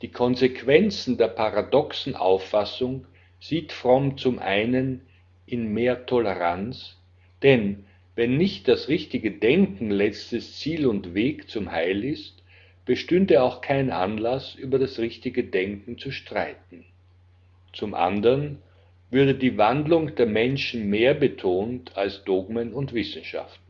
Konsequenzen der paradoxen Auffassung sieht Fromm zum einen in mehr Toleranz, denn wenn nicht das richtige Denken letztes Ziel und Weg zum Heil ist, bestünde auch kein Anlass, über das richtige Denken zu streiten. Zum anderen würde die Wandlung der Menschen mehr betont als Dogmen und Wissenschaften